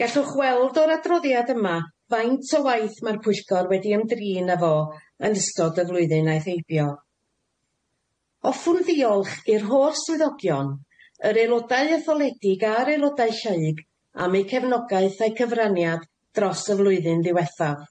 Gallwch weld o'r adroddiad yma faint o waith mae'r Pwyllgor wedi ymdrin â fo yn ystod y flwyddyn aeth heibio. Offwn ddiolch i'r holl swyddogion, yr aelodau etholedig a'r aelodau lleug am eu cefnogaeth a'u cyfraniad dros y flwyddyn ddiwethaf.